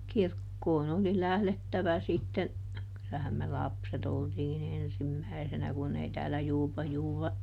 kirkkoon oli lähdettävä sitten kylään me lapset oltiin ensimmäisenä kun ei täällä --